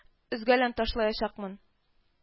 Өзгәлән ташлаячакмын